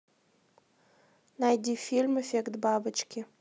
найди фильм эффект бабочки